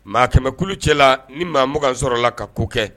Maa kɛmɛkulucɛ la ni maa mugan sɔrɔla la ka ko kɛ